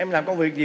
em làm công việc gì